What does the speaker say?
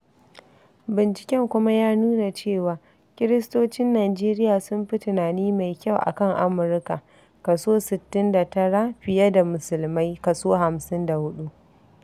Binciken kuma ya nuna cewa, Kiristocin Nijeriya sun fi tunani mai kyau a kan Amurka (kaso 69) fiye da Musulmai (kaso 54).